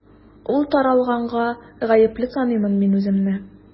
Ул таралганга гаепле саныймын мин үземне.